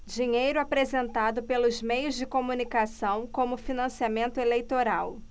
dinheiro apresentado pelos meios de comunicação como financiamento eleitoral